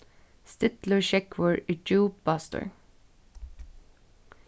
stillur sjógvur er djúpastur